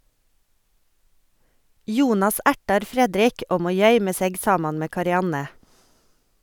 Jonas ertar Fredrik, og må gøyme seg saman med Karianne